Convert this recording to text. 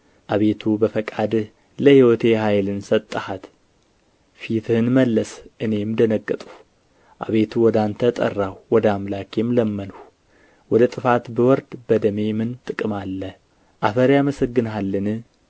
አቤቱ በፈቃድህ ለሕይወቴ ኃይልን ሰጠሃት ፊትህን መለስህ እኔም ደነገጥሁ አቤቱ ወደ አንተ ጠራሁ ወደ አምላኬም ለመንሁ ወደ ጥፋት ብወርድ በደሜ ምን ጥቅም አለ አፈር ያመሰግንሃልን